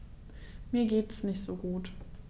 Mir geht es nicht gut.